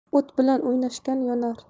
o't bilan o'ynashgan yonar